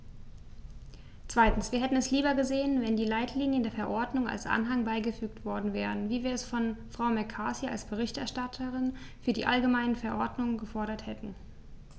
Zweitens: Wir hätten es lieber gesehen, wenn die Leitlinien der Verordnung als Anhang beigefügt worden wären, wie wir es von Frau McCarthy als Berichterstatterin für die allgemeine Verordnung gefordert hatten.